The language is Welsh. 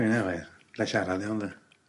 Ia wir 'nai siarad iawn 'de?